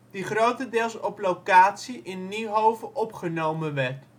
die grotendeels op locatie in Niehove opgenomen werd